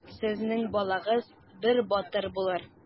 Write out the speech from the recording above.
Сезнең балагыз бер батыр булыр.